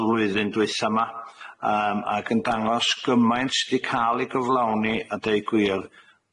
y flwyddyn dwytha 'ma yym ac yn dangos gymaint sy 'di ca'l ei gyflawni a deu gwir,